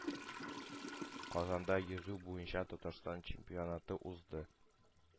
Казанда йөзү буенча Татарстан чемпионаты узды,